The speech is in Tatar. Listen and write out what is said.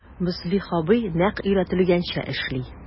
Мөслих абый нәкъ өйрәтелгәнчә эшли...